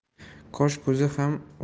qosh ko'zi ham